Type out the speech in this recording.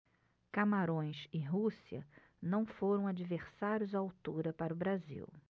camarões e rússia não foram adversários à altura para o brasil